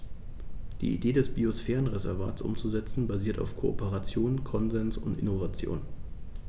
Die Idee des Biosphärenreservates umzusetzen, basiert auf Kooperation, Konsens und Innovation.